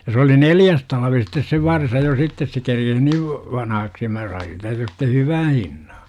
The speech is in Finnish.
ja se oli neljäs talvi sitten se varsa jo sitten se kerkisi niin vanhaksi ja minä sain siitä sitten hyvän hinnan